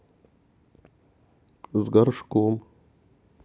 с горшком